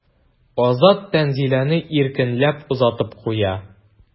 Азат Тәнзиләне иркенләп озатып куя.